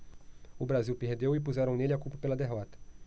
o brasil perdeu e puseram nele a culpa pela derrota